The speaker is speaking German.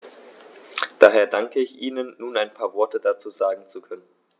Daher danke ich Ihnen, nun ein paar Worte dazu sagen zu können.